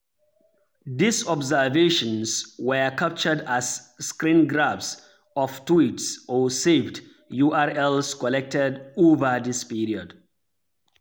These observations were captured as screengrabs of tweets or saved URLs collected over this period.